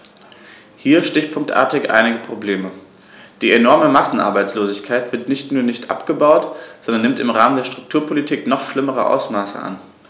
Hier stichpunktartig einige Probleme: Die enorme Massenarbeitslosigkeit wird nicht nur nicht abgebaut, sondern nimmt im Rahmen der Strukturpolitik noch schlimmere Ausmaße an.